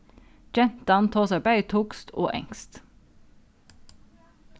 gentan tosar bæði týskt og enskt